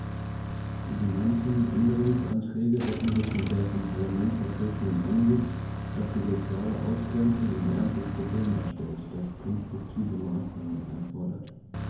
Die genannten Änderungsanträge decken sich mit der vom Parlament vertretenen Ansicht, dass die soziale Ausgrenzung ein ernstes Problem darstellt, das konstruktive Maßnahmen erfordert.